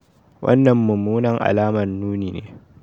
Wannan mumunan alamar nuni ne